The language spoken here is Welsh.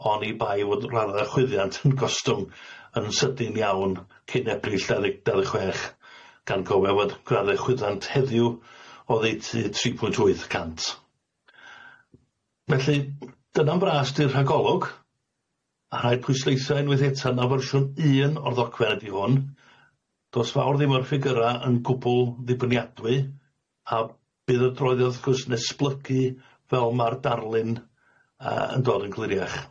oni bai fod radde chwyddiant yn gostwng yn sydyn iawn cyn Ebrill dau ddeg dau ddeg chwech gan gradde chwyddiant heddiw oddeutu tri pwynt wyth cant. Felly, dyna'n fras di'r rhagolwg, a rhaid pwysleisio unwaith eta na' fersiwn un o'r ddogfen ydi hwn, do's fawr ddim o'r ffigyra yn gwbwl ddibyniadwy, a bydd y droedd wrth gwrs yn esblygu fel ma'r darlun yyy yn dod yn gliriach.